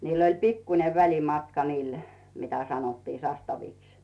niillä oli pikkuinen välimatka niillä mitä sanottiin sastaviksi